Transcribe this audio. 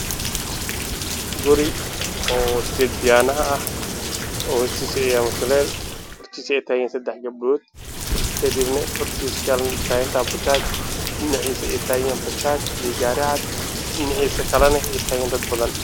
Waa guri dabaq oo sideed biyaano ah waxaa ag maraya bajaaj guduudan iyo dad ay mara